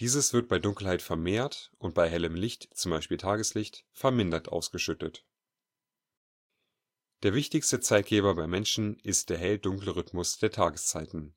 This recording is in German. Dieses wird bei Dunkelheit vermehrt und bei hellem Licht – z. B. Tageslicht – vermindert ausgeschüttet. Der wichtigste Zeitgeber beim Menschen ist der Hell-Dunkel-Rhythmus der Tageszeiten.